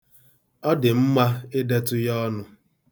Ọ dị mkpa idetụ ha ọnụ.